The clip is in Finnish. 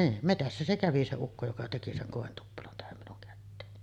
niin metsässä se kävi se ukko joka teki sen kointuppelon tähän minun käteeni